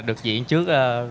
được diễn trước rất là